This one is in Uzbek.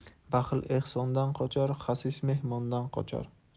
baxil ehsondan qochar xasis mehmondan qochar